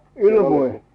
ilmoja